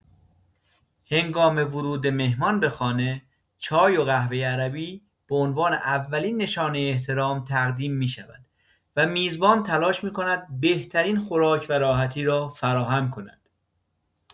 هنگام ورود مهمان به خانه، چای و قهوه عربی به عنوان اولین نشانه احترام تقدیم می‌شود و میزبان تلاش می‌کند بهترین خوراک و راحتی را فراهم کند.